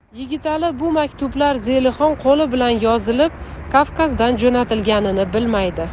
yigitali bu maktublar zelixon qo'li bilan yozilib kavkazdan jo'natilganini bilmaydi